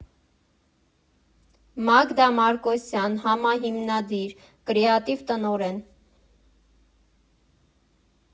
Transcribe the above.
Մագդա Մարկոսյան համահիմնադիր, կրեատիվ տնօրեն։